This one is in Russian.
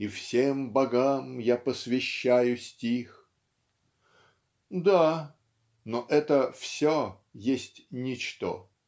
И воем богам я посвящаю стих -- да но это "все" есть ничто.